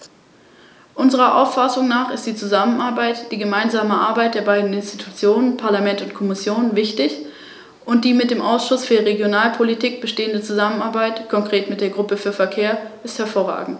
Der vorliegende Kompromiss ist, was den Anwendungsbereich der Richtlinie als auch die Einführung der im Vorschlag enthaltenen 12 grundlegenden Rechte anbelangt, ein wichtiger Schritt zum Schutz der Fahrgastrechte.